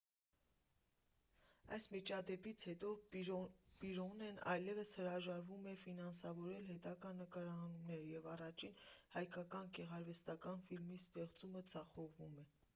Այս միջադեպից հետո Պիրոնեն այլևս հրաժարվում է ֆինանսավորել հետագա նկարահանումները և առաջին հայկական գեղարվեստական ֆիլմի ստեղծումը ձախողվում է։